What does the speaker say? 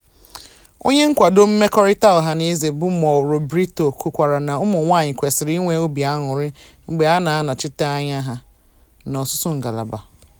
Onye nkwado mmekọrịta ọhanaeze bụ Mauro Brito kwukwara na ụmụnwaanyị kwesịrị inwe obi aṅụrị""mgbe a na-anọchite anya ha n'ọtụtụ ngalaba":"